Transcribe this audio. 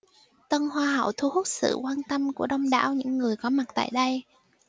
tân hoa hậu thu hút sự quan tâm của đông đảo những người có mặt tại đây